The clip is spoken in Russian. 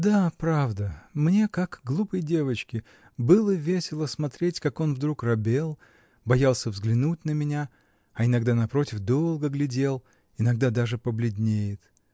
— Да, правда: мне, как глупой девочке, было весело смотреть, как он вдруг робел, боялся взглянуть на меня, а иногда, напротив, долго глядел, — иногда даже побледнеет.